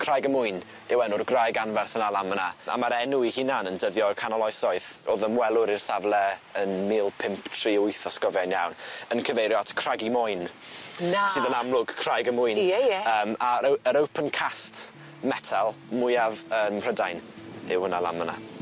Craig y Mwyn yw enw'r graig anferth yna lan myn 'na a ma'r enw ei hunan yn dyddio o'r canol oesoedd o'dd ymwelwr i'r safle yn mil pump tri wyth os gofiai'n iawn yn cyfeirio at Craggy Moyn. Na! Sydd yn amlwg Craig y Mwyn. Ie ie. Yym a'r o- yr open cast metal mwyaf yn Mhrydain yw hwnna lan myn 'na.